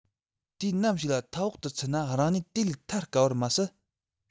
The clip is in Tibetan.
དུས ནམ ཞིག ལ ཐབས འོག ཏུ ཚུད ན རང ཉིད དེ ལས ཐར དཀའ བར མ ཟད